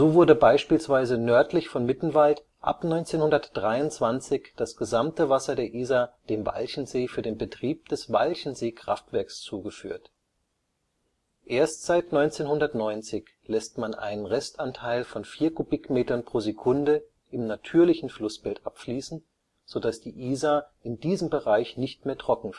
wurde beispielsweise nördlich von Mittenwald ab 1923 das gesamte Wasser der Isar dem Walchensee für den Betrieb des Walchenseekraftwerks zugeführt. Erst seit 1990 lässt man einen Restanteil von vier Kubikmetern pro Sekunde im natürlichen Flussbett abfließen, so dass die Isar in diesem Bereich nicht mehr trocken